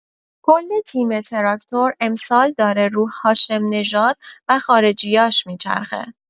کل تیم تراکتور امسال داره رو هاشم نژاد و خارجیاش می‌چرخه